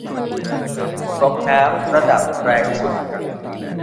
เปิดก๊อกน้ำระดับแรงสุด